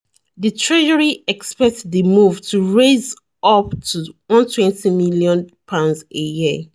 The Treasury expects the move to raise up to £120 million a year.